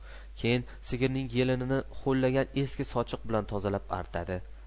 keyin sigirning yelinini ho'llangan eski sochiq bilan tozalab artadi